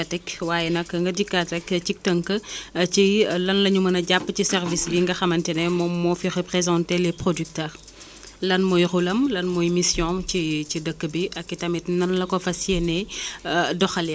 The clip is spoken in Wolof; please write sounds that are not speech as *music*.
je pense que baax na pour ñu fàttali que ni *breath* le service semencier bi nga xamante ni bi souvent moom mooy *hesitation* déterminer kii quoi jiw yi pour la plupart du temps ci données climatiques la ñuy sukkandiku maanaam pluviométrie bi